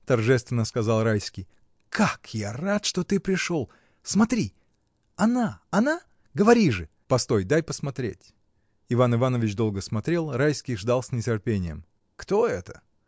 — торжественно сказал Райский, — как я рад, что ты пришел! Смотри — она, она? Говори же! — Постой, дай посмотреть. Иван Иванович долго смотрел. Райский ждал с нетерпением. — Кто это?